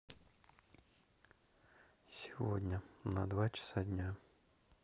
сегодня на два часа дня